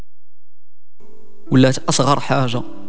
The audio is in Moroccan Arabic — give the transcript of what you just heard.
ولا اصغر حاجه